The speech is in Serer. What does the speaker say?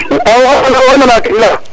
Alo waxey nana ke i leya